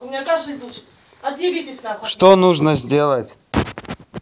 что нужно сделать